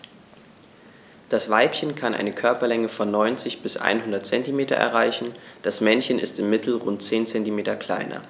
Das Weibchen kann eine Körperlänge von 90-100 cm erreichen; das Männchen ist im Mittel rund 10 cm kleiner.